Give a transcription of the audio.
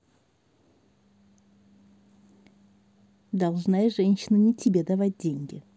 должна и женщина не тебе давать деньги